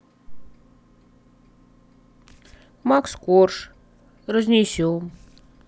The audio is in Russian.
макс корж разнесем